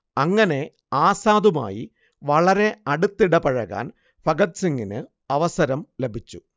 അങ്ങനെ ആസാദുമായി വളരെ അടുത്തിടപഴകാൻ ഭഗത് സിംഗിന് അവസരം ലഭിച്ചു